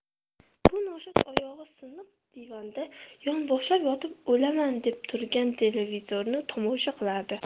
bu noshud oyog'i siniq divanda yonboshlab yotib o'laman deb turgan televizorni tomosha qiladi